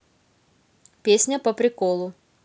песня по приколу